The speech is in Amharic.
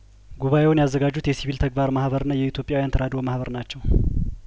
ጉባኤውን ያዘጋጁት የሲቪል ተግባር ማህበርና የኢትዮጵያውያን ተራድኦ ማህበር ናቸው